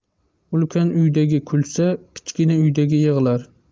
ulkan uydagi kulsa kichkina uydagi yig'lar